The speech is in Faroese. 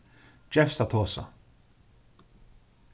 gevst at tosa